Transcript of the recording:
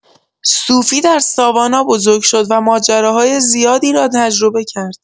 سوفی در ساوانا بزرگ شد و ماجراهای زیادی را تجربه کرد.